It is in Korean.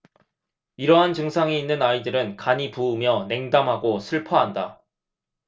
이러한 증상이 있는 아이들은 간이 부으며 냉담하고 슬퍼한다